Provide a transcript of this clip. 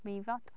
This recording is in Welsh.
Meifod?